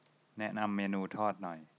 แนะนำเมนูทอดหน่อย